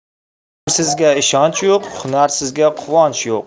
ilmsizga ishonch yo'q hunarsizga quvonch yo'q